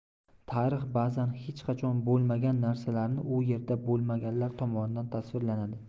tarix ba'zan hech qachon bo'lmagan narsalarni u erda bo'lmaganlar tomonidan tasvirlanadi